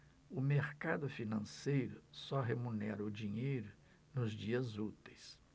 o mercado financeiro só remunera o dinheiro nos dias úteis